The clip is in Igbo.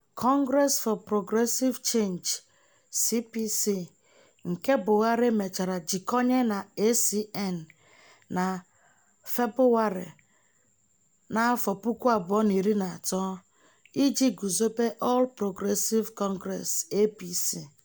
Congress for Progressive Change (CPC) nke Buhari mechara jikọnye na ACN, na Febụwarị 2013, iji guzobe All Progressive Congress (APC) .